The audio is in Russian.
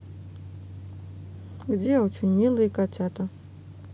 где очень милые котята